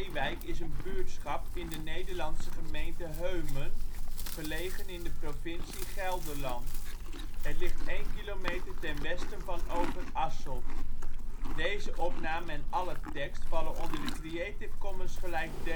Ewijk is een buurtschap in de Nederlandse gemeente Heumen, gelegen in de provincie Gelderland. Het ligt 1 kilometer ten westen van Overasselt. Plaatsen in de gemeente Heumen Dorpen: Heumen · Malden · Molenhoek (gedeelte) · Nederasselt · Overasselt Buurtschappen: Blankenberg · Ewijk · Heide · Molenhoek · De Schatkuil · Schoonenburg · Sleeburg · Valenberg · Vogelzang · Worsum Gelderland: Steden en dorpen in Gelderland Nederland: Provincies · Gemeenten 51° 45 ' NB, 5°